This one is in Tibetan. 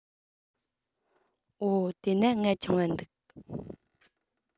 འོ དེས ན ང ཆུང བ འདུག